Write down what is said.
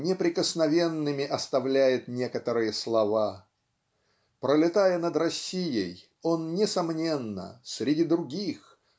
неприкосновенными оставляет некоторые слова. Пролетая над Россией он несомненно среди других